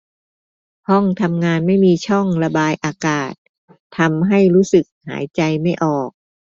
ห้องทำงานไม่มีช่องระบายอากาศทำให้รู้สึกหายใจไม่ออก